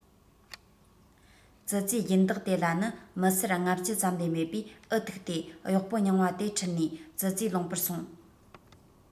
ཙི ཙིའི སྦྱིན བདག དེ ལ ནི མི སེར ལྔ བཅུ ཙམ ལས མེད པས འུ ཐུག སྟེ གཡོག པོ རྙིང པ དེ ཁྲིད ནས ཙི ཙིའི ལུང པར སོང